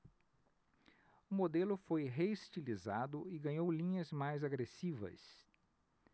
o modelo foi reestilizado e ganhou linhas mais agressivas